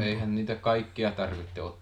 eihän niitä kaikkea tarvitse ottaa